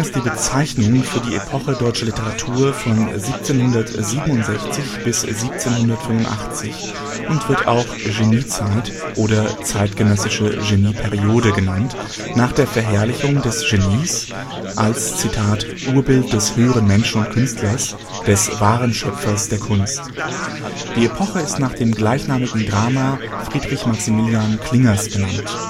die Bezeichnung für die Epoche deutscher Literatur von 1767 bis 1785 und wird auch „ Geniezeit “oder „ zeitgenössische Genieperiode “genannt nach der Verherrlichung des Genies „ als Urbild des höheren Menschen und Künstlers “,„ des wahren Schöpfers der Kunst “. Die Epoche ist nach dem gleichnamigen Drama Friedrich Maximilian Klingers benannt